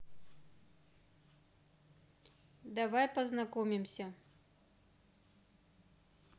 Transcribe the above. давай познакомимся